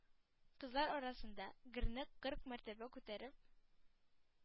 Кызлар арасында, герне кырк мәртәбә күтәреп,